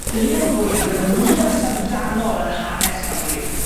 Un o'r brwydre mwya syfrdanol yn hanes Cymru.